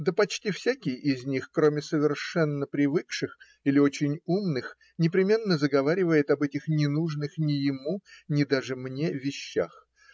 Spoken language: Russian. Да, почти всякий из них, кроме совершенно привыкших или очень умных, непременно заговаривает об этих не нужных ни ему, ни даже мне вещах.